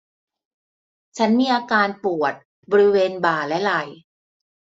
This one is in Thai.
ฉันมีอาการปวดบริเวณบ่าและไหล่